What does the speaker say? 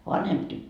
vanhempi -